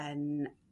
yn